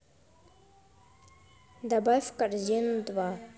добавь в корзину два